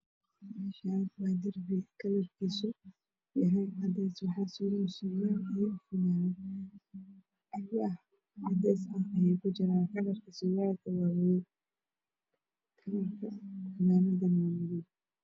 Meeshaan waa darbi kalarkiisu waa cadeys waxaa suran surwaal iyo fanaanad. alwaax cadeys ah ayay suran yihiin. Kalarka surwaal waa madow kalarka fanaanad waa madow.